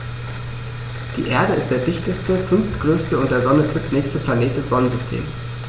Die Erde ist der dichteste, fünftgrößte und der Sonne drittnächste Planet des Sonnensystems.